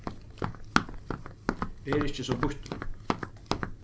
ver ikki so býttur